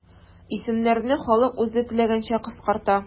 Исемнәрне халык үзе теләгәнчә кыскарта.